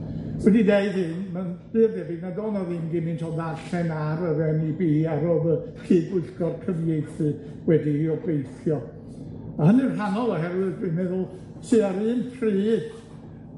Wedi deud hyn, ma'n bur debyg nad o' 'na ddim gymint o ddarllen ar yr En Ee Bee ag o'dd y cydbwyllgor cyfieithu wedi'i obeithio, a hynny'n rhannol oherwydd dwi'n meddwl tua'r un pryd